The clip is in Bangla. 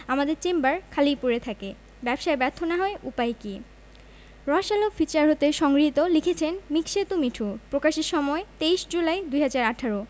আমাদের চেম্বার খালিই পড়ে থাকে ব্যবসায় ব্যর্থ না হয়ে উপায় কী রসআলো ফিচার হতে সংগৃহীত লিখেছেনঃ মিকসেতু মিঠু প্রকাশের সময়ঃ ২৩ জুলাই ২০১৮